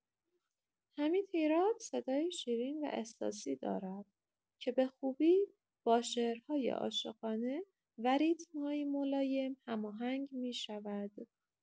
حمید هیراد صدایی شیرین و احساسی دارد که به‌خوبی با شعرهای عاشقانه و ریتم‌های ملایم هماهنگ می‌شود.